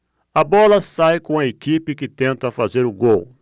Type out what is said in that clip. a bola sai com a equipe que tenta fazer o gol